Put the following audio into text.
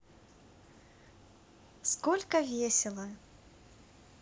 сколько весело